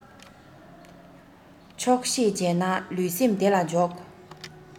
ཆོག ཤེས བྱས ན ལུས སེམས བདེ ལ འཇོག